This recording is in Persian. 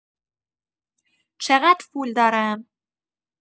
چه‌قدر پول دارم؟